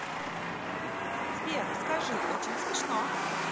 сбер расскажи очень смешно